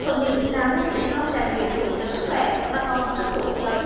không những là môn thể thao rèn luyện tốt cho sức khỏe mà còn rất tốt cho tinh